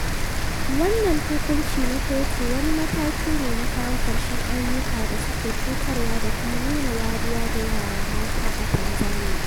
Wannan hukunci na kotu wani mataki ne na kawo ƙarshen aiyuka da suke cutarwa da kuma nuna wariya ga yara mata a Tanzaniya.